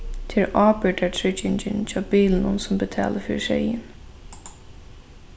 tað er ábyrgdartryggingin hjá bilinum sum betalir fyri seyðin